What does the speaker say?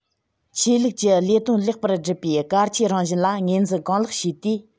ཆོས ལུགས ཀྱི ལས དོན ལེགས པར སྒྲུབ པའི གལ ཆེའི རང བཞིན ལ ངོས འཛིན གང ལེགས བྱས ཏེ